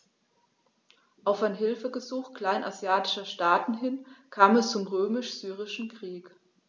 Auf ein Hilfegesuch kleinasiatischer Staaten hin kam es zum Römisch-Syrischen Krieg.